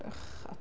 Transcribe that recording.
Bechod.